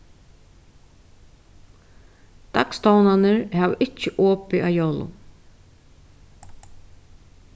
dagstovnarnir hava ikki opið á jólum